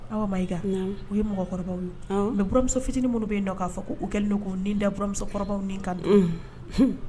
Awa Maiga naamu u ye mɔgɔkɔrɔbaw ye awɔ mɛ buramuso fitinin minnu bɛ yen nɔ k'a fɔ ko u kɛlen do k'u u nin da buramusokɔrɔbaw nin ka dun unh hun